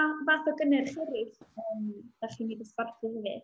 Pa fath o gynnyrch eraill yym dach chi 'di dosbarthu hefyd.